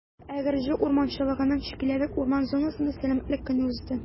Әгерҗе урманчылыгының «Чикләвек» урман зонасында Сәламәтлек көне узды.